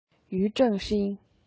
ཡུས ཀྲེང ཧྲེང